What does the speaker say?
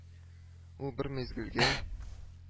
Ул бер мизгелгә